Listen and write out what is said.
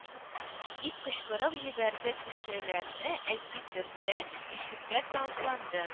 Дип кычкырып җибәрде кешеләрне эти-төртә ишеккә ташланды